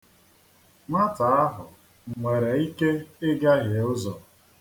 Nwata ahụ nwere ike igahie ụzọ.